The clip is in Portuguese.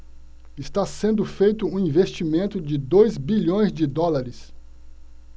está sendo feito um investimento de dois bilhões de dólares